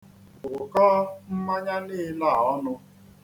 Wụkọọ mmanya niile a ọnụ.